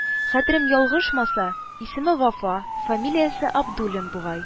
Хәтерем ял-гышмаса, исеме Вафа, фамилиясе Абдуллин бугай